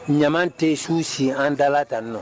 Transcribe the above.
Ɲama tɛ su si an da nɔ